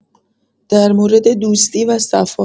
در مورد دوستی و صفا